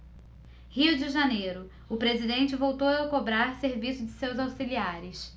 rio de janeiro o presidente voltou a cobrar serviço de seus auxiliares